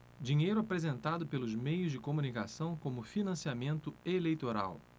dinheiro apresentado pelos meios de comunicação como financiamento eleitoral